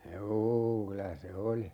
juu kyllä se oli